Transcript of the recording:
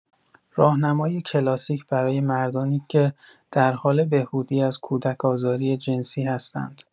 راهنمای کلاسیک برای مردانی که در حال بهبودی از کودک‌آزاری جنسی هستند.